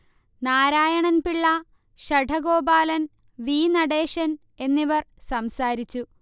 Narayanan Pillai, Sadagopalan, V. Natesan എന്നിവർ സംസാരിച്ചു